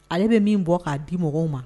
Ale bɛ min bɔ k'a di mɔgɔw ma